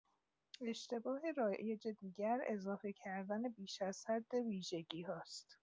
اشتباه رایج دیگر، اضافه کردن بیش از حد ویژگی‌هاست.